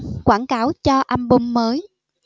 quảng cáo cho album mới